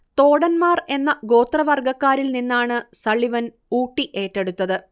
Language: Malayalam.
തോടൻമാർ എന്ന ഗോത്രവർഗക്കാരിൽ നിന്നാണ് സള്ളിവൻ ഊട്ടി ഏറ്റെടുത്തത്